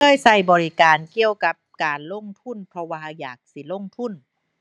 เคยใช้บริการเกี่ยวกับการลงทุน เพราะว่าอยากสิลงทุน